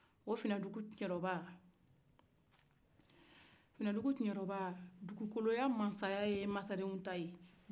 o finadugukiɲɛrɔba dugukolo tigiya ye masaren ta ye